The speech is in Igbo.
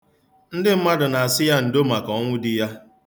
Ndị mmadụ na-asị ya ndo maka ọnwụ di ya.